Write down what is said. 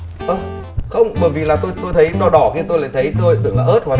ơ không bởi vì là tôi tôi thấy đỏ đỏ kia tôi lại thấy tôi lại tưởng là ớt